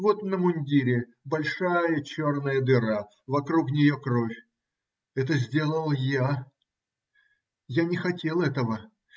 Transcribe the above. Вот на мундире большая черная дыра; вокруг нее кровь. Это сделал я. Я не хотел этого.